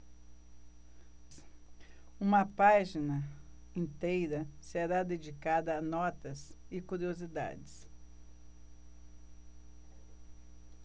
uma página inteira será dedicada a notas e curiosidades